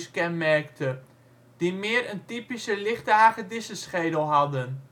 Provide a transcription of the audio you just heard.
kenmerkte, die meer een typische lichte hagedissenschedel hadden